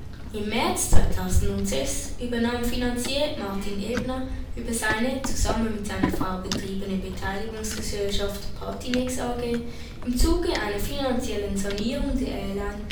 Im März 2006 übernahm Finanzier Martin Ebner über seine, zusammen mit seiner Frau betriebene, Beteiligungsgesellschaft Patinex AG im Zuge einer finanziellen Sanierung der